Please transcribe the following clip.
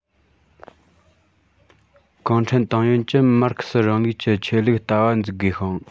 གུང ཁྲན ཏང ཡོན གྱིས མར ཁེ སི རིང ལུགས ཀྱི ཆོས ལུགས ལྟ བ འཛུགས དགོས ཤིང